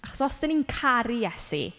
Achos os dan ni'n caru Iesu.